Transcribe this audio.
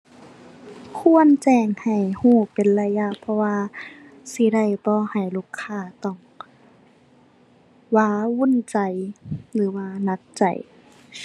ควรแจ้งให้รู้เป็นระยะ เพราะว่าสิได้บ่ให้ลูกค้าต้องว้าวุ่นใจ หรือว่าหนักใจ